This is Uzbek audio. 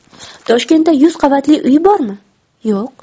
toshkentda yuz qavatli uy bormi yo'q